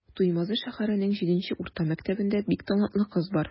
Туймазы шәһәренең 7 нче урта мәктәбендә бик талантлы кыз бар.